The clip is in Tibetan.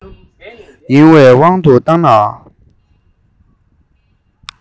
ཡིན བའི དབང དུ བཏང ནའང